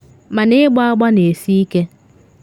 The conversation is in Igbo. Mana ịgba agba na esi ike.